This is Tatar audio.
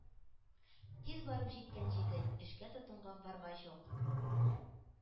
Тиз барып җиткән Җегет, эшкә тотынган баргач ук,